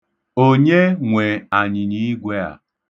Onye nwe anyịnyiigwe a?